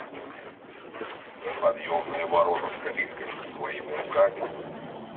подъемные ворота с калиткой своими руками